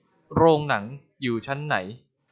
โรงหนังอยู่ชั้นไหน